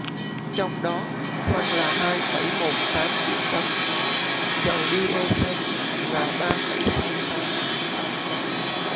trong đó xăng là hai phẩy một tám triệu tấn dầu diesel là ba phẩy sáu tám triệu tấn